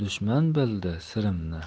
dushman bildi sirimni